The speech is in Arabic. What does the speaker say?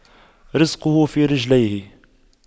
رِزْقُه في رجليه